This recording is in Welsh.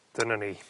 Dyna ni.